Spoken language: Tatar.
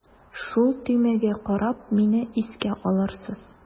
Шул төймәгә карап мине искә алырсыз.